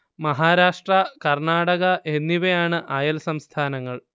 മഹാരാഷ്ട്ര കർണ്ണാടക എന്നിവയാണ് അയൽ സംസ്ഥാനങ്ങൾ